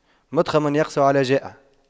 مُتْخَمٌ يقسو على جائع